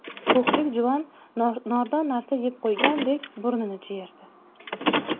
ko'hlik juvon nordon narsa yeb qo'ygandek burnini jiyirdi